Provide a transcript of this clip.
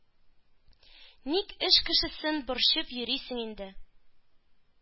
Ник эш кешесен борчып йөрисең инде?” –